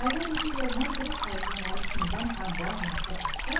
agar o'sha yerdan turib aytganlari chindan ham bor narsa bo'lsa